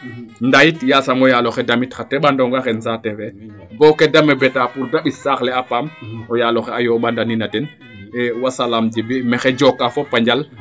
ndaa yit yasam o yaaloxe damit xa teɓanongaxe saate fee bo kede mbebata pour te mbis saax le a paam o yaaloxe a yomba nin a den wasalam Djiby maxey joka a fop a njal